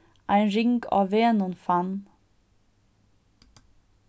ein ring á vegnum fann